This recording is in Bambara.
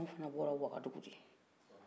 aw fana bɔra wagadugu de